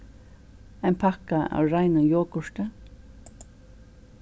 ein pakka av reinum jogurti